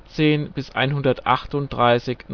Februar 138